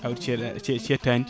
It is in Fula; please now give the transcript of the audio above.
awdi ceela ce cettadi